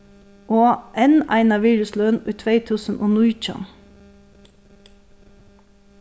og enn eina virðisløn í tvey túsund og nítjan